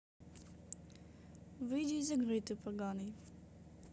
выйди из игры этой поганой